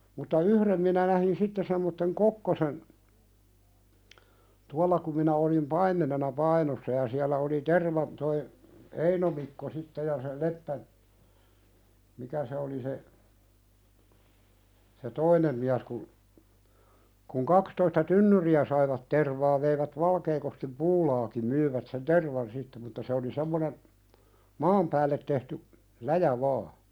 mutta yhden minä näin sitten semmoisen kokkosen tuolla kun minä olin paimenena Painossa ja siellä oli - tuo Eino Mikko sitten ja se Leppä mikä se oli se se toinen mies kun kun kaksitoista tynnyriä saivat tervaa veivät Valkeakoskeenkin puulaakin myivät sen tervan sitten mutta se oli semmoinen maan päälle tehty läjä vain